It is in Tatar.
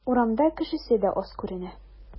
Урамда кешесе дә аз күренә.